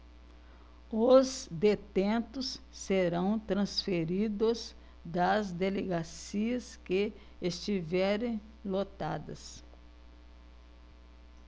os detentos serão transferidos das delegacias que estiverem lotadas